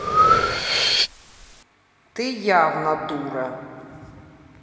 ты явно дура